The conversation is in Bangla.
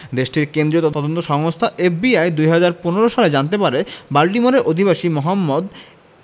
দেশটির কেন্দ্রীয় তদন্ত সংস্থা এফবিআই ২০১৫ সালে জানতে পারে বাল্টিমোরের অধিবাসী মোহাম্মদ